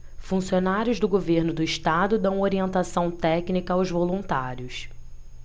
funcionários do governo do estado dão orientação técnica aos voluntários